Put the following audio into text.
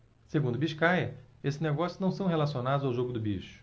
segundo biscaia esses negócios não são relacionados ao jogo do bicho